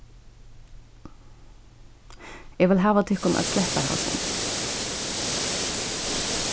eg vil hava tykkum at sleppa hasum